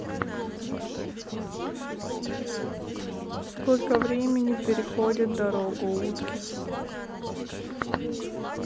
сколько времени переходит дорогу утки